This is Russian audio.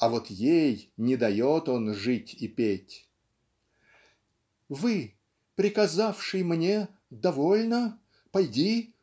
а вот ей не дает он жить и петь. . Вы, приказавший мне довольно Пойди